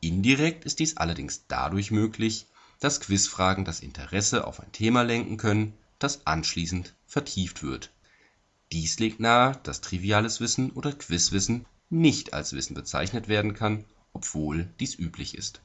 Indirekt ist dies allerdings dadurch möglich, dass Quizfragen das Interesse auf ein Thema lenken können, das anschließend vertieft wird. Dies legt nahe, dass triviales oder Quizwissen nicht als Wissen bezeichnet werden kann, obwohl dies üblich ist